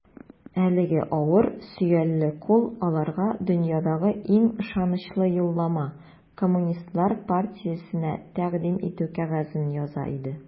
Әлеге авыр, сөялле кул аларга дөньядагы иң ышанычлы юллама - Коммунистлар партиясенә тәкъдим итү кәгазен яза иде.